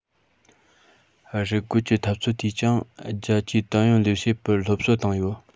རུལ རྒོལ གྱི འཐབ རྩོད དེས ཀྱང རྒྱ ཆེའི ཏང ཡོན ལས བྱེད པར སློབ གསོ བཏང ཡོད